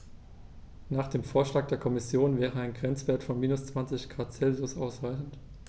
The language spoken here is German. Nach dem Vorschlag der Kommission wäre ein Grenzwert von -20 ºC ausreichend.